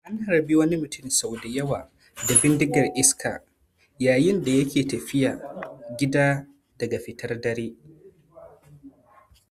An harbi wani mutum sau da yawa da bindigar iska yayin da yake tafiya gida daga fitar dare.